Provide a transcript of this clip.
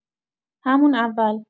همون اول